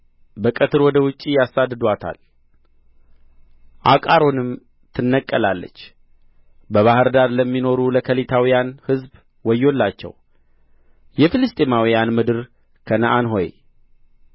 በቀትር ወደ ውጭ ያሳድዱአታል አቃሮንም ትነቀላለች በባሕር ዳር ለሚኖሩ ለከሊታውያን ሕዝብ ወዮላቸው የፍልስጥኤማውያን ምድር ከነዓን ሆይ